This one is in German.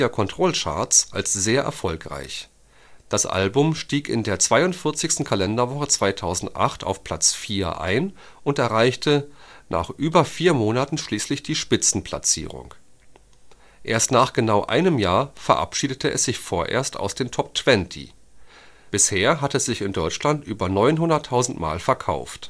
Media-Control-Charts als sehr erfolgreich. Das Album stieg in der 42. Kalenderwoche 2008 auf Platz 4 ein und erreichte nach über vier Monaten schließlich die Spitzenplatzierung. Erst nach genau einem Jahr verabschiedete es sich vorerst aus den „ Top Twenty “. Bisher hat es sich in Deutschland über 900.000 Mal verkauft